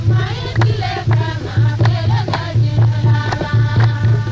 maa y'i tile kɛ maa kelen tɛ diɲɛ laban